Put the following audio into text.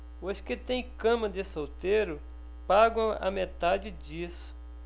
os que têm cama de solteiro pagam a metade disso